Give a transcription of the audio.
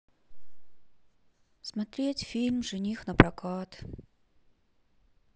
смотреть фильм жених напрокат